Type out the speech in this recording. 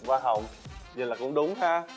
hoa hồng vậy là cũng đúng ha